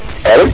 alo